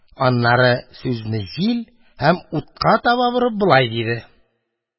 Аннары сүзне җил һәм утка таба борып, болай диде: